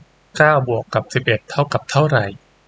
เก้าบวกกับสิบเอ็ดเท่ากับเท่าไร